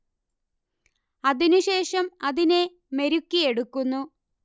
അതിനു ശേഷം അതിനെ മെരുക്കിയെടുക്കുന്നു